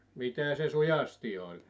mitä se suastin oli